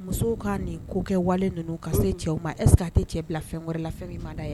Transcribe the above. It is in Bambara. Musow ka nin ko kɛ wale ninnu ka se cɛw ma est- ce que a tɛ cɛ bila fɛn wɛrɛ la fɛn min ma d'a ye wa?